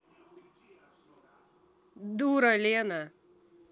дура лена